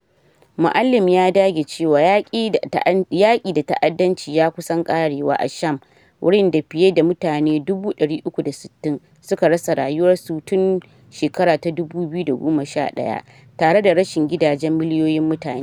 Moualem ya dage cewa “yaki da ta’addanci ya kusan karewa” a Sham, wurin da fiye da mutane 360,000 suka rasa rayuwar su tun 2011, tare da rashin gidajen miliyoyin mutane.